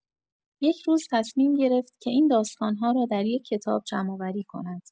یک روز تصمیم گرفت که این داستان‌ها را در یک کتاب جمع‌آوری کند.